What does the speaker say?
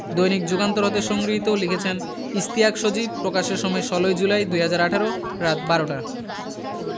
দৈনিক যুগান্তর হতে সংগৃহীত লিখেছেন ইশতিয়াক সজীব প্রকাশের সময় ১৬ ই জুলাই ২০১৮ রাত ১২টা